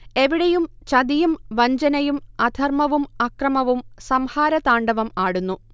എവിടെയും ചതിയും വഞ്ചനയും, അധർമ്മവും അക്രമവും സംഹാരതാണ്ഡവം ആടുന്നു